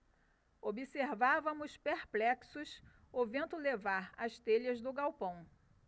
observávamos perplexos o vento levar as telhas do galpão